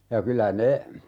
ja kyllä ne